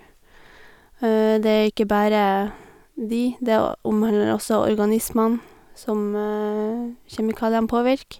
Det er ikke bare de, det å omhandler også organismene som kjemikaliene påvirker.